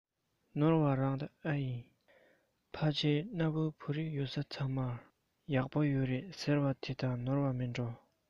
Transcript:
ནོར བ རང ད ཨེ ཡིན ཕལ ཆེར གནའ བོའི བོད རིགས ཡོད ས ཚང མར གཡག ཡོད རེད ཟེར བ དེ དང ནོར བ མིན འགྲོ